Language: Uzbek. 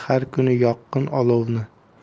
har kuni yoqqin olovni